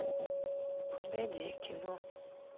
комедии кино